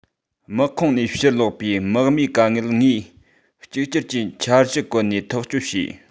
དམག ཁོངས ནས ཕྱིར ལོག པའི དམག མིའི དཀའ ངལ དངོས གཅིག གྱུར གྱིས འཆར གཞི བཀོད ནས ཐག གཅོད བྱས